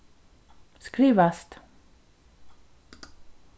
skrivast